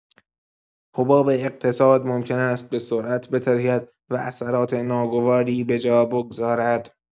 حباب اقتصاد ممکن است به‌سرعت بترکد و اثرات ناگواری به جا بگذارد.